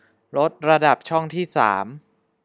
ลดระดับช่องที่สาม